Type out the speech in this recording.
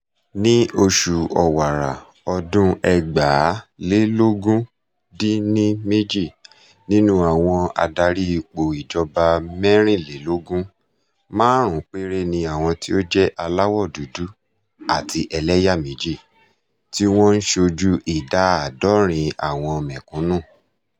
Ní oṣù Ọ̀wàrà ọdún 2018, nínú àwọn adarí ipò ìjọba 24, márùn-ún péré ni àwọn tí ó jẹ́ aláwọ̀ dúdú àti elẹ́yà-méjì, tí wọ́n ń ṣojú ìdá 70 àwọn mẹ̀kúnù.